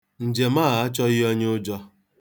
Njem a achọghị onyeụjọ.